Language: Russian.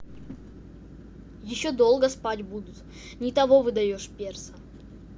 еще долго спать будут не того выдаешь перса